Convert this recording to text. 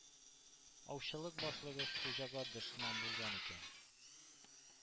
Аучылык башлыгы Хуҗага дошман булган икән.